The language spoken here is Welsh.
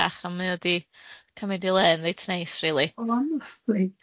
A mae o di cymyd ei le'n reit neis rili.